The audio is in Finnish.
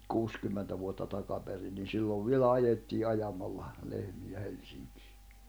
nyt kuusikymmentä vuotta takaperin niin silloin vielä ajettiin ajamalla lehmiä Helsinkiin